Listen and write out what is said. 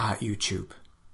a YouTube.